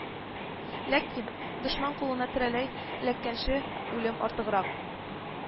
Ләкин дошман кулына тереләй эләккәнче, үлем артыграк